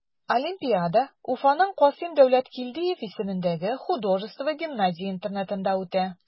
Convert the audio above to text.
Олимпиада Уфаның Касыйм Дәүләткилдиев исемендәге художество гимназия-интернатында үтә.